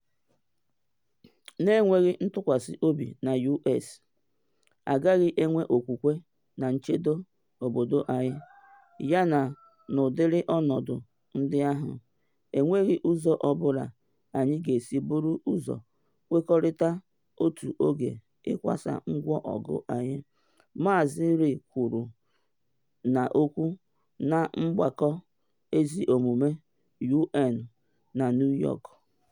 “Na enweghị ntụkwasị obi na US, agaghị enwe okwukwe na nchedo obodo anyị yana n’ụdịrị ọnọdụ ndị ahụ, enweghị ụzọ ọ bụla anyị ga-esi bụrụ ụzọ kwekọrịta otu oge ịkwasa ngwa ọgụ anyị,” Maazị Ri kwuru n’okwu na Mgbakọ Ezumezu UN na New York.